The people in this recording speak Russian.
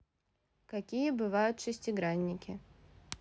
какие бывают шестигранники